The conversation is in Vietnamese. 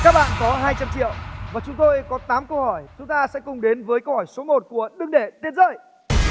các bạn có hai trăm triệu và chúng tôi có tám câu hỏi chúng ta sẽ cùng đến với câu hỏi số một của đừng để tiền rơi